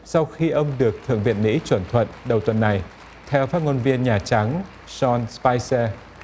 sau khi ông được thượng viện mỹ chuẩn thuận đầu tuần này theo phát ngôn viên nhà trắng son sờ pai sơ